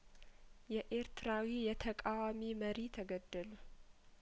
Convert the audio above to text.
የኤርትራዊ የተቃዋሚ መሪ ተገደሉ